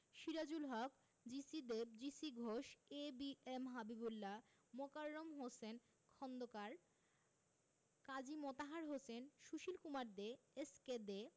Sirajul Haq G C Dev G C Ghosh A B M Habibullah Mokarram Hossain Khandakar Kazi Motahar Hossain Sushil Kumar De S K they